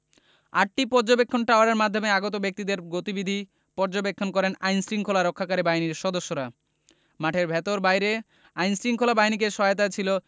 আটটি পর্যবেক্ষণ টাওয়ারের মাধ্যমে আগত ব্যক্তিদের গতিবিধি পর্যবেক্ষণ করেন আইনশৃঙ্খলা রক্ষাকারী বাহিনীর সদস্যরা মাঠের ভেতর বাইরে আইনশৃঙ্খলা বাহিনীকে সহায়তায় ছিল